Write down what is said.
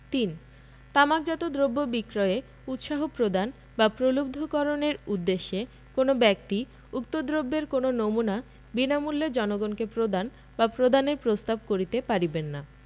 ৩ তামাকজাত দ্রব্য বিক্রয়ে উৎসাহ প্রদান বা প্রলুব্ধকরণের উদ্দেশ্যে কোন ব্যক্তি উক্ত দ্রব্যের কোন নমুনা বিনামূল্যে জনগণকে প্রদান বা প্রদানের প্রস্তাব করিতে পারিবেন না